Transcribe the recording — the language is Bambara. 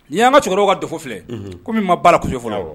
Ni ye, an ka cɛkɔrɔbaw ka defaut filɛ. Unhun. komi n ma ban a la kosɛbɛ fɔlɔ